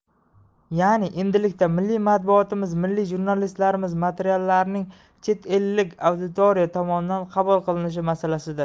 ya'ni endilikda milliy matbuotimiz milliy jurnalistlarimiz materiallarining chet ellik auditoriya tomonidan qabul qilinishi masalasidir